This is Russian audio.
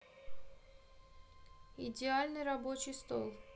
идеальный рабочий стол